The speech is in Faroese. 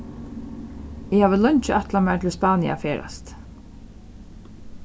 eg havi leingi ætlað mær til spania at ferðast